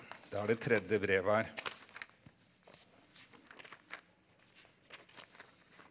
det er det tredje brevet her.